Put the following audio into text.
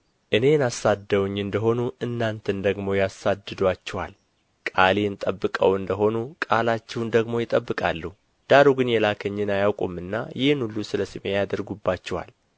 እኔን አሳደውኝ እንደ ሆኑ እናንተን ደግሞ ያሳድዱአችኋል ቃሌን ጠብቀው እንደ ሆኑ ቃላችሁን ደግሞ ይጠብቃሉ ዳሩ ግን የላከኝን አያውቁምና ይህን ሁሉ ሰለ ስሜ ያደርጉባችኋል